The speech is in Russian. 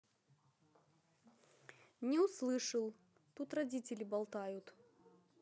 не услышал тут родители болтают